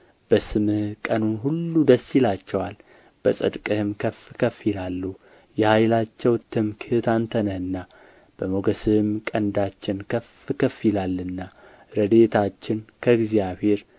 በስምህ ቀኑን ሁሉ ደስ ይላቸዋል በጽድቅህም ከፍ ከፍ ይላሉ የኃይላቸው ትምክሕት አንተ ነህና በሞገስህም ቀንዳችን ከፍ ከፍ ይላልና ረድኤታችን ከእግዚአብሔር